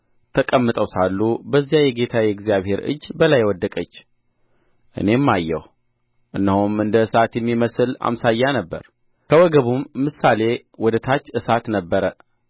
ተቀምጠው ሳሉ በዚያ የጌታ የእግዚአብሔር እጅ በላዬ ወደቀች እኔም አየሁ እነሆም እንደ እሳት የሚመስል አምሳያ ነበረ ከወገቡም ምሳሌ ወደ ታች እሳት ነበረ